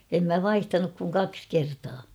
en minä vaihtanut kuin kaksi kertaa